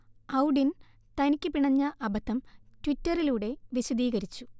ഔഡിൻ തനിക്ക് പിണഞ്ഞ അബദ്ധം ട്വിറ്ററിലൂടെ വിശദീകരിച്ചു